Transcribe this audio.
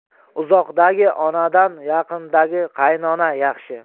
uzoqdagi onadan yaqindagi qaynona yaxshi